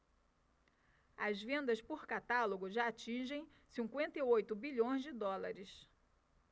as vendas por catálogo já atingem cinquenta e oito bilhões de dólares